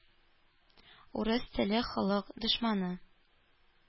«урыс телле халык» дошманы,